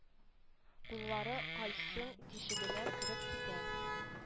Куллары кальсон тишегенә кереп китә